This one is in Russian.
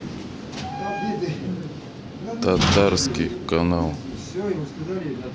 татарский канал